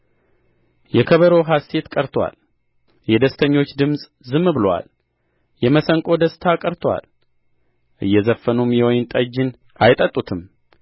የከበሮው ሐሤት ቀርቶአል የደስተኞች ድምፅ ዝም ብሎአል የመሰንቆ ደስታ ቀርቶአል እየዘፈኑም የወይን ጠጅን አይጠጡትም